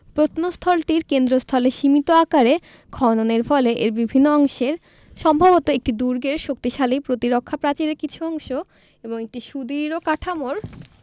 প্রত্নস্থলটির কেন্দ্রস্থলে সীমিত আকারের খননের ফলে এর বিভিন্ন অংশের সম্ভবত একটি দুর্গের শক্তিশালী প্রতিরক্ষা প্রাচীরের কিছু অংশ এবং একটি সুদৃঢ় কাঠামোর